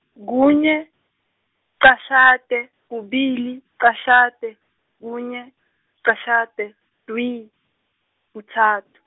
kunye, licashata, kubili licashata, kunye, licashata, dvwi, kutsatfu.